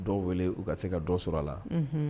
Dɔw weele u ka se ka dɔ sɔrɔ a la